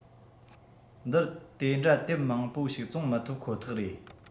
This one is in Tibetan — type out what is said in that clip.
འདིར དེ འདྲ དེབ མང པོ ཞིག བཙོང མི ཐུབ ཁོ ཐག རེད